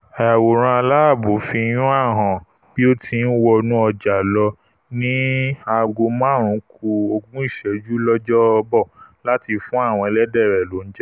Ayawòrán aláàbò fi Yuan hàn bí ó ti ńwọnú ọjà lọ ní aago máàrún-ku-ogún ìsẹ́jú lọjọ 'Bọ̀ láti fún àwọn ẹlẹ́dẹ̀ rẹ̀ lóúnjẹ.